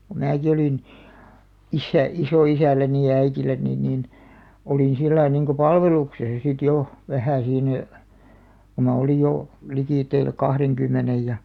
kun minäkin olin - isoisälläni ja äidilläni niin olin sillä lailla niin kuin palveluksessa sitten jo vähän siinä kun minä olin jo liki kahdenkymmenen ja